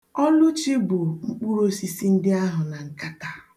Ọlụchi bu mkpụruọsisi ndị ahụ na nkata.